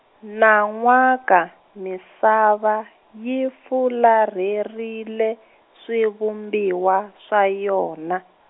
nan'waka, misava, yi fularherile, swivumbiwa, swa yona.